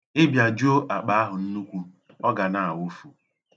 Ị biajuo akpa ahụ nnukwu, ọ ga na-awufu.